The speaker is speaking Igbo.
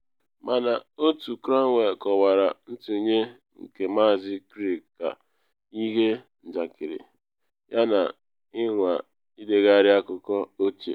Mana Otu Cromwell kọwara ntụnye nke Maazị Crick ka ‘ihe njakịrị” yana “ịnwa ịdegharị akụkọ ochie.”